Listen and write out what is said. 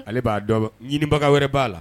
Ale b'a dɔn, ɲinibaga wɛrɛ b'a la.